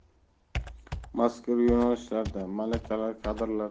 mazkur yo'nalishlarda malakali kadrlar